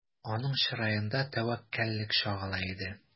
Аның чыраенда тәвәккәллек чагыла иде.